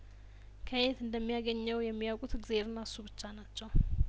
ከየት እንደሚያገኘው የሚያውቁት እግዜርና እሱ ብቻ ናቸው